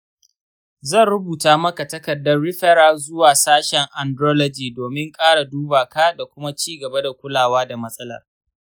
zan rubuta maka takardar referral zuwa sashen andrology domin ƙara duba ka da kuma cigaba da kulawa da matsalar.